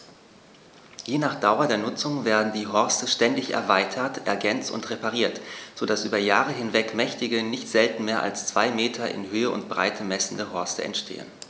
Je nach Dauer der Nutzung werden die Horste ständig erweitert, ergänzt und repariert, so dass über Jahre hinweg mächtige, nicht selten mehr als zwei Meter in Höhe und Breite messende Horste entstehen.